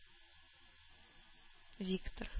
Виктор